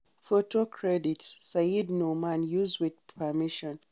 Photo credit Syed Noman. Used with permission.